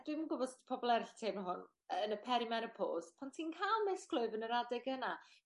dwi'm yn gwbo 's 'di pobol eryll yn teimlo hwn yy yn y peri-menopos pan ti'n ca'l misglwyf yn yr adeg yna